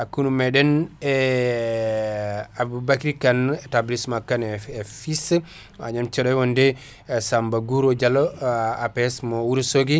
hakkude meɗen e Aboubakry Kane établissement Kane et fai et fils Agnam Thioday wonde Samba Guro Diallo APS mo Wourossogui